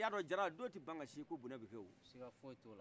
i ya dɔn jara don ti ban ka se ko bɔnɛ bi kɛ o